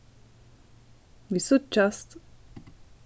vit síggjast